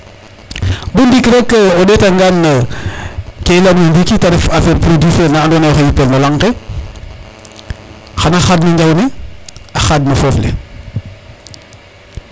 bo ndik rek o ɗeta ngan ke i leyogina ndiki te ref affaire produit fene ando naye axey yipel laŋ ke xana xad no njawle a xad no foof le